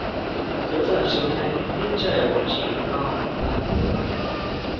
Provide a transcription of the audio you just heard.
giữa giờ chiều nay tiết trời ở quảng trị mưa to thời tiết mát mẻ